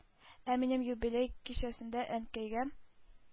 Ә минем юбилей кичәсендә Әнкәйгә,